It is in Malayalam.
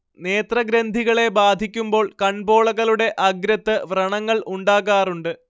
നേത്രഗ്രന്ഥികളെ ബാധിക്കുമ്പോൾ കൺപോളകളുടെ അഗ്രത്ത് വ്രണങ്ങൾ ഉണ്ടാകാറുണ്ട്